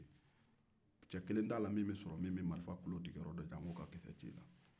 cɛ kelen t'a la min bɛ marifa tulo tigɛ yɔrɔ dɔn janko ka arifa ci i la